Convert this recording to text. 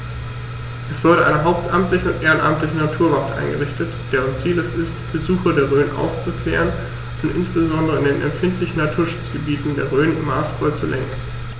Es wurde eine hauptamtliche und ehrenamtliche Naturwacht eingerichtet, deren Ziel es ist, Besucher der Rhön aufzuklären und insbesondere in den empfindlichen Naturschutzgebieten der Rhön maßvoll zu lenken.